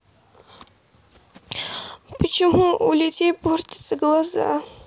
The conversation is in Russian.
почему у людей портятся глаза